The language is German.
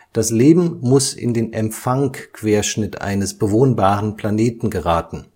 Das Leben muss in den Einfangquerschnitt eines bewohnbaren Planeten geraten